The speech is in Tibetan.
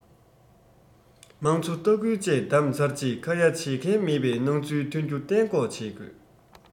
དམངས གཙོ ལྟ སྐུལ བཅས བདམས ཚར རྗེས ཁ ཡ བྱེད མཁན མེད པའི སྣང ཚུལ ཐོན རྒྱུ གཏན འགོག བྱེད དགོས